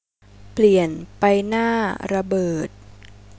เปลี่ยนไปหน้าระเบิด